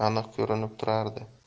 aniq ko'rinib turardi